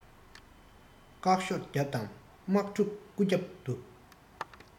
བཀའ ཤོག རྒྱབ དང དམག ཕྲུག སྐུ རྒྱབ ཏུ